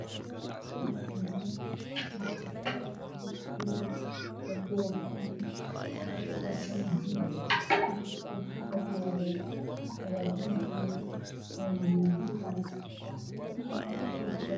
Waa guri banan kiisu waa intaro loog